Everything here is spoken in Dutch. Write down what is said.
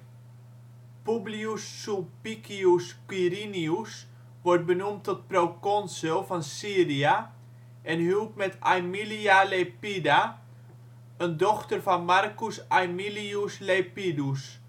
Publius Sulpicius Quirinius wordt benoemd tot proconsul van Syria en huwt met Aemilia Lepida, een dochter van Marcus Aemilius Lepidus